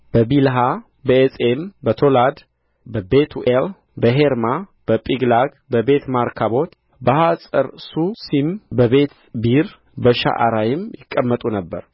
በቢልሃ በዔጼም በቶላድ በቤቱኤል በሔርማ በጺቅላግ በቤትማርካቦት በሐጸርሱሲም በቤትቢሪ በሸዓራይም ይቀመጡ ነበር